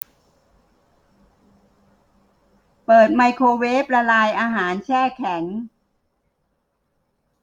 เปิดไมโครเวฟละลายอาหารแช่แข็ง